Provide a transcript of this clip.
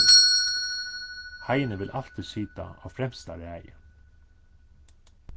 heini vil altíð sita á fremsta raði